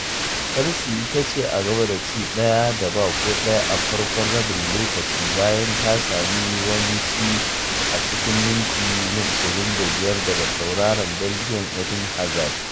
Chelsea ita ce a gaba da ci 1 da 0 a farkon rabin lokaci bayan ta sami wani ci a cikin minti na 25 daga tauraron Belgium Eden Hazard.